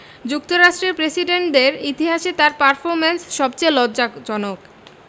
যুক্তরাষ্ট্রের প্রেসিডেন্টদের ইতিহাসে তাঁর পারফরমেন্স সবচেয়ে লজ্জাজনক